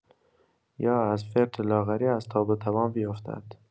یا از فرط لاغری از تاب و توان بیفتد.